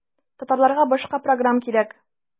Татарларга башка программ кирәк.